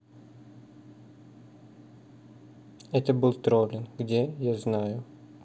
это был троллинг где я знаю